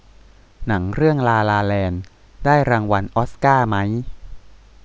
หนังเรื่องลาลาแลนด์ได้รางวัลออสการ์มั้ย